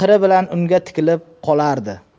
bilan unga tikilib qolardi